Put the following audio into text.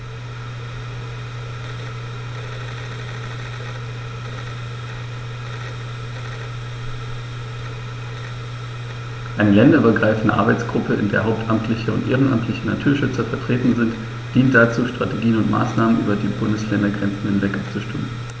Eine länderübergreifende Arbeitsgruppe, in der hauptamtliche und ehrenamtliche Naturschützer vertreten sind, dient dazu, Strategien und Maßnahmen über die Bundesländergrenzen hinweg abzustimmen.